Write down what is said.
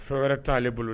Fɛn wɛrɛ t'ale bolo